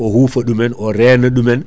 o hufa ɗumen o reena ɗumen